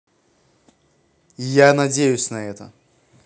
и я надеюсь на это